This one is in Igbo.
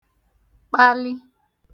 kpalị